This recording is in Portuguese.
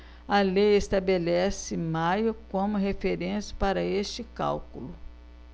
a lei estabelece maio como referência para este cálculo